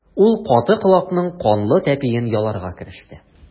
Ул каты колакның канлы тәпиен яларга кереште.